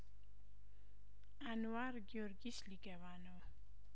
አንዋር ጊዮርጊስ ሊገባ ነው